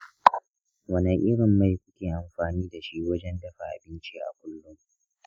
wane irin mai kuke amfani da shi wajen dafa abinci a kullum?